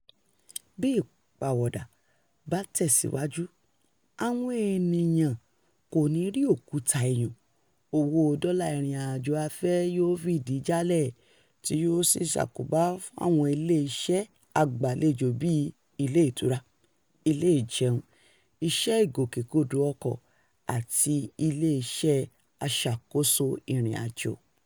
Bí ìpàwọ̀dà bá tẹ̀síwájú, àwọn ènìyàn kò ní rí òkúta iyùn, owó dollar ìrìnàjò afẹ́ yóò fìdí jálẹ̀, tí yóò sì kó bá àwọn iléeṣẹ́ agbàlejò bíi: ilé ìtura, ilé ìjẹun, iṣẹ́ ìgbòkègbodò ọkọ̀ àti ilé iṣẹ́ aṣàkóso ìrìnàjò.